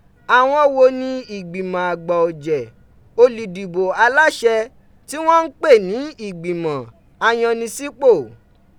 Awọn wo ni igbimọ agba ọjẹ oludibo alaṣẹ ti wọn n pe ni Ìgbìmọ Ayannisípò?